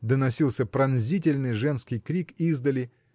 — доносился пронзительный женский крик издали.